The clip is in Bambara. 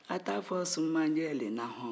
a t'a fɔ sumanjɛ le na hɔn